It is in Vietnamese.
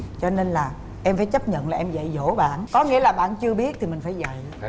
cho nên là em phải chấp nhận là em dạy dỗ bạn có nghĩa là bạn chưa biết thì mình phải dạy